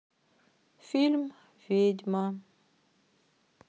фильм ведьма